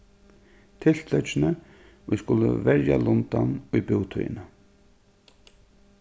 tiltøk ið skulu verja lundan í bútíðini